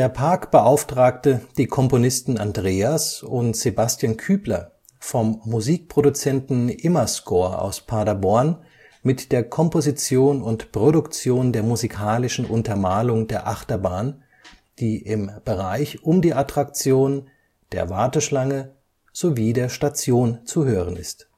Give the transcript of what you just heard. Park beauftragte die Komponisten Andreas und Sebastian Kübler vom Musikproduzenten IMAscore aus Paderborn mit der Komposition und Produktion der musikalischen Untermalung der Achterbahn, die im Bereich um die Attraktion, der Warteschlange sowie der Station zu hören ist